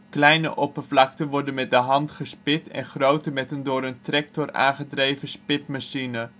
Kleine oppervlakten worden met de hand gespit en grote met een door een tractor aangedreven spitmachine